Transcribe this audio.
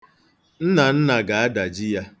Nnanna ga-adaji ya.